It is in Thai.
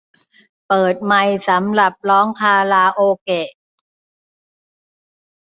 เปิดไมค์สำหรับร้องคาราโอเกะ